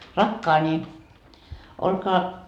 rakkaani olkaa